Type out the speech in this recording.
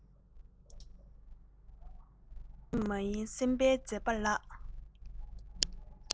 དོན མེད མ ཡིན སེམས དཔའི མཛད པ ལགས